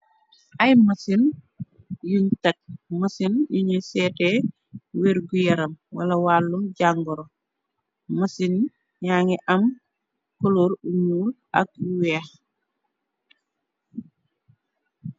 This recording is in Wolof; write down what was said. Ay mësin yuñ tegg, mësin yuñuy seeteh wër gu yaram wala wàllum jàngoro. Mësin ya ngi am colór unuul ak weeh.